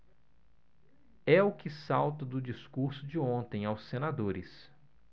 é o que salta do discurso de ontem aos senadores